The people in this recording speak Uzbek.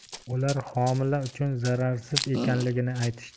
ular homila uchun zararsiz ekanligini aytishdi